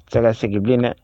Tɛ ka segin bilen dɛ.